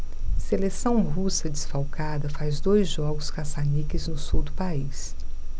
seleção russa desfalcada faz dois jogos caça-níqueis no sul do país